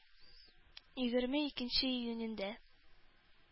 Егерме икенче июнендә